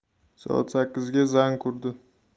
soat sakkizga zang urdi